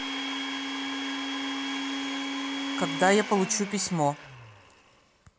когда я получу письмо